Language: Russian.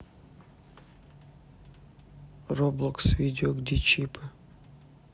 роблокс видео где чипы